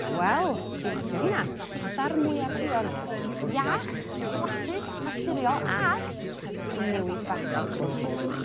Wel dwi licio rheina lledar mwyar duon iach blasus naturiol ag yn newid bach o grymbl dydi?